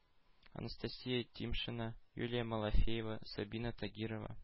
Анастасия Тимшина, Юлия Малафеева, Сабина Тагирова,